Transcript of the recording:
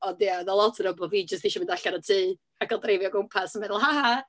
Ond ia, oedd 'na lot ohono fo bo' fi jyst isio mynd allan o'r tŷ a gael dreifio gwmpas yn meddwl, "ha ha"!